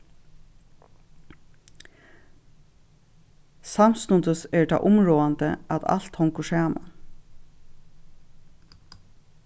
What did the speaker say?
samstundis er tað umráðandi at alt hongur saman